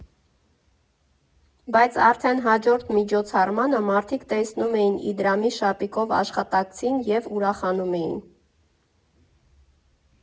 Բայց արդեն հաջորդ միջոցառմանը մարդիկ տեսնում էին Իդրամի շապիկով աշխատակցին և ուրախանում էին։